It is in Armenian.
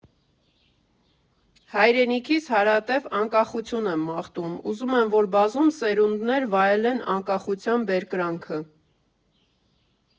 Հայրենիքիս հարատև անկախություն եմ մաղթում, ուզում եմ, որ բազում սերունդներ վայելեն անկախության բերկրանքը։